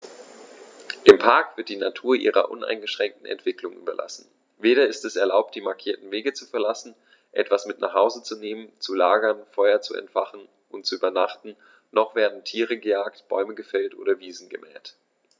Im Park wird die Natur ihrer uneingeschränkten Entwicklung überlassen; weder ist es erlaubt, die markierten Wege zu verlassen, etwas mit nach Hause zu nehmen, zu lagern, Feuer zu entfachen und zu übernachten, noch werden Tiere gejagt, Bäume gefällt oder Wiesen gemäht.